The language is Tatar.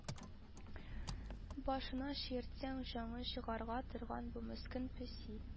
Башына чиертсәң җаны чыгарга торган бу мескен песи